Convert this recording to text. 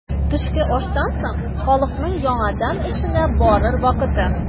Төшке аштан соң халыкның яңадан эшенә барыр вакыты.